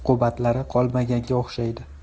uqubatlari qolmaganga o'xshardi